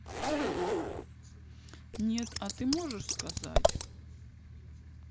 нет а ты можешь сказать